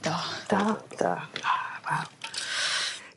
Do. Do do. A wel.